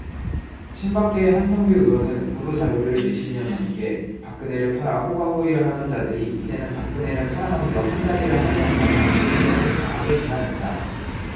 친박계의 한선교 의원은 보도 자료를 내 십 년 넘게 박근혜를 팔아 호가호위를 하던 자들이 이제는 박근혜를 팔아넘겨 한자리를 하려 한다며 유 의원을 강하게 비난했다